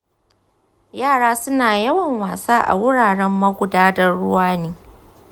yara suna yawan wasa a wuraren magudanan ruwa ne?